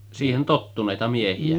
siihen tottuneita miehiä